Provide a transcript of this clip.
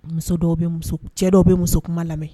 Muso dɔw cɛ dɔw bɛ muso kuma lamɛn